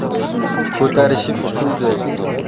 ko'tarishib chiquvdi